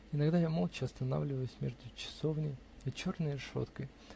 Иногда я молча останавливаюсь между часовней и черной решеткой.